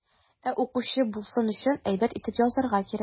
Ә укучы булсын өчен, әйбәт итеп язарга кирәк.